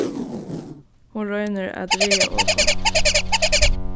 hon roynir at ræða okum